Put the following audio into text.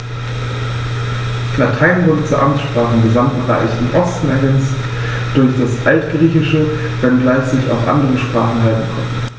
Latein wurde zur Amtssprache im gesamten Reich (im Osten ergänzt durch das Altgriechische), wenngleich sich auch andere Sprachen halten konnten.